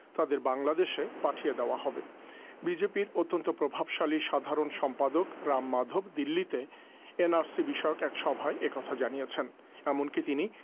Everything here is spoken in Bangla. তাদের বাংলাদেশে পাঠিয়ে দেয়া হবে বিজেপির অত্যন্ত প্রভাবশালী সাধারণ সম্পাদক রাম মাধব দিল্লিতে এনআরসি বিষয়ক এক সভায় এ কথা জানিয়েছেন এমনকি তিনি